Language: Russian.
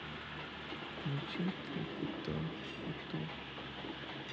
включи три кота ютуб